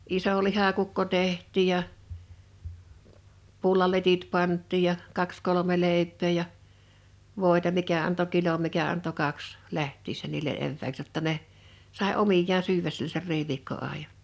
iso lihakukko tehtiin ja pullaletit pantiin ja kaksi kolme leipää ja voita mikä antoi kilon mikä antoi kaksi lähtiessä niille evääksi jotta ne sai omiaan syödä siellä sen riiviikkoajan